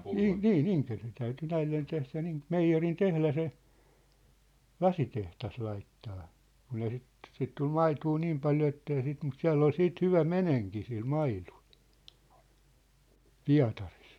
- niin Inkeroisen täytyi näille tehdä niin meijerin tehdä se lasitehdas laittaa kun ei sitä sitä tuli maitoa niin paljon että ei sitä mutta siellä oli sitten hyvä menekki sillä maidolla Pietarissa